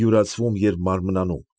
Յուրացվում և մարմնանում։